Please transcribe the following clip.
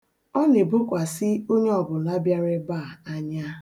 Ọ na-ebọkwasị onye ọbụla bịara ebe a anya.